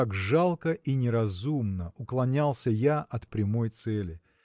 как жалко и неразумно уклонялся я от прямой цели.